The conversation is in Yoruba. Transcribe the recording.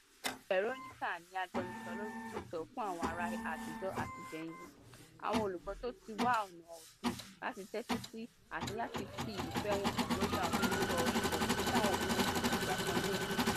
Veronica ni agbẹnusọ lóri TikTok fún àwọn ará àtijọ́ àti Gen Z — àwọn olùgbọ́ tó ti wá ọ̀nà ọ̀tun láti tẹ́tí sí àti láti fi ìfẹ́ wọn hàn lóri àwọn irúfẹ́ orin kan tí àwọn òbí wọn ti fi ìgbà kan jó sí.